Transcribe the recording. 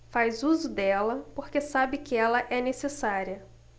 faz uso dela porque sabe que ela é necessária